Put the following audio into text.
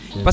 c' est ca